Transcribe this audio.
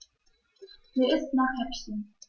Mir ist nach Häppchen.